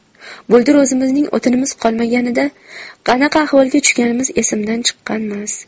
bultur o'zimizning o'tinimiz qolmaganida qanaqa ahvolga tushganimiz esimdan chiqqanmas